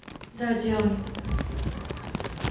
да делай